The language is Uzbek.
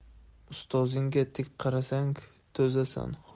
ustozingga tik qarasang to'zasan